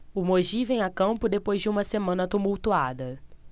o mogi vem a campo depois de uma semana tumultuada